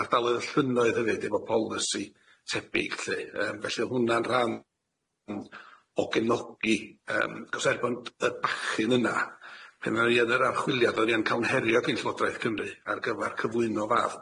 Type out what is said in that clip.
ardalodd y llynnoedd hefyd efo polisi tebyg lly yym felly o'dd hwnna'n rhan m- o genogi yym achos er bo' y bachyn yna pan o'n i yn yr archwiliad o'n i yn ca'l ngherio gan Llywodraeth Cynru ar gyfar cyflwyno fath